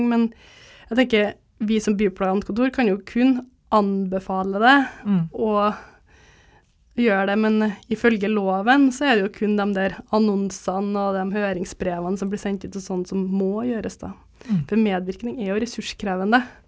men jeg tenker vi som byplankontor kan jo kun anbefale det og gjøre det men ifølge loven så er det jo kun dem der annonsene og dem høringsbrevene som blir sendt ut og sånn som må gjøres da for medvirkning er jo ressurskrevende.